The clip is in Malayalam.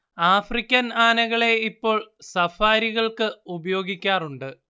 ആഫ്രിക്കൻ ആനകളെ ഇപ്പോൾ സഫാരികൾക്ക് ഉപയോഗിക്കാറുണ്ട്